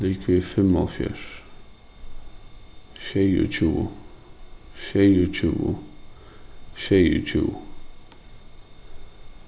ligvið fimmoghálvfjerðs sjeyogtjúgu sjeyogtjúgu sjeyogtjúgu